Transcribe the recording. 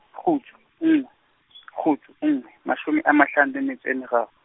kgutlo nngwe , kgutlo nngwe, mashome a mahlano le metso e meraro.